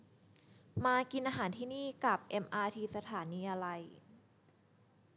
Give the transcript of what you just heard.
มากินอาหารที่นี่กลับเอมอาทีสถานีอะไร